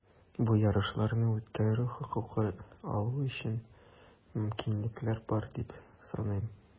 Бу ярышларны үткәрү хокукы алу өчен мөмкинлекләр бар, дип саныйм.